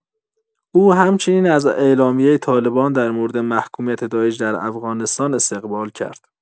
او همچنین از اعلامیه طالبان در مورد محکومیت داعش در افغانستان استقبال کرد.